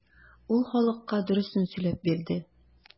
Ул халыкка дөресен сөйләп бирде.